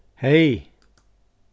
hey